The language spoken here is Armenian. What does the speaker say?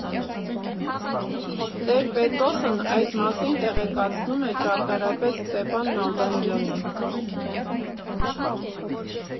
Տեր Պետրոսն այդ մասին տեղեկացնում է ճարտարապետ Ստեփան Նալբանդյանին։